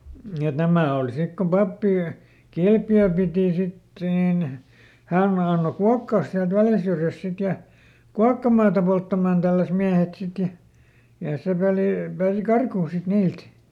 et nämä oli sitten kun pappi Kilpiöön piti sitten niin hän antoi kuokata sieltä Väljän syrjästä sitten ja kuokkamaata polttamaan tälläsi miehet sitten ja ja se peli pääsi karkuun sitten niiltä